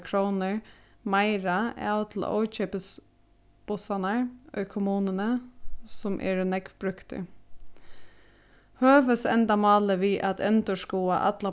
krónur meira av til ókeypis bussarnar í kommununi sum eru nógv brúktir høvuðsendamálið við at endurskoða alla